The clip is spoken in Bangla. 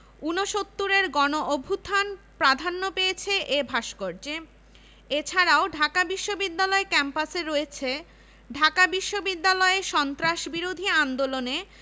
অধ্যাপক আমিনুল ইসলাম মৃত্তিকা পানি ও পরিবেশ বিভাগ বিজ্ঞান ও প্রযুক্তি ১৯৯০ অধ্যাপক কাজী জাকের হোসেন প্রাণিবিদ্যা বিভাগ শিক্ষা